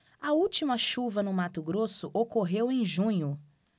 a última chuva no mato grosso ocorreu em junho